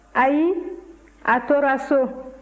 ayi a tora so